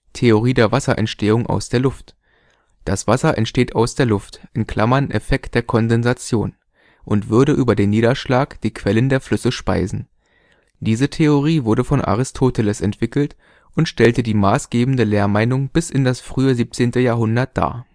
Theorie der Wasserentstehung aus der Luft: Das Wasser entsteht aus der Luft (Effekt der Kondensation) und würde über den Niederschlag die Quellen der Flüsse speisen. Diese Theorie wurde von Aristoteles entwickelt und stellte die maßgebende Lehrmeinung bis in das frühe 17. Jahrhundert dar